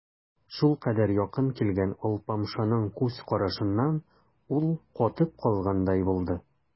Шулкадәр якын килгән алпамшаның күз карашыннан ул катып калгандай булды.